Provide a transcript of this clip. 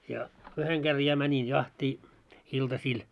ja yhden kerran ja menin jahtia iltasilla